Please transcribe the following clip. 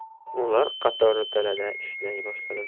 ular qatori dalada ishlay boshladim